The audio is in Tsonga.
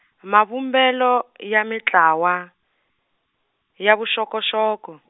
mavumbelo ya mintlawa, ya vuxokoxoko.